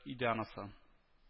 Иде анысы